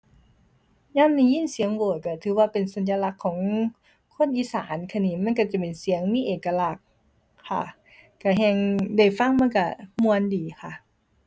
ยามได้ยินเสียงโหวดก็ถือว่าเป็นสัญลักษณ์ของคนอีสานค่ะหนิ มันก็จะเป็นเสียงมีเอกลักษณ์ค่ะ ก็แฮ่งได้ฟังมันก็ม่วนดีค่ะ